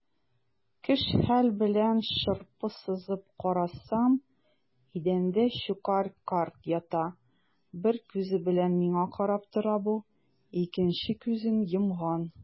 Көч-хәл белән шырпы сызып карасам - идәндә Щукарь карт ята, бер күзе белән миңа карап тора бу, икенче күзен йомган.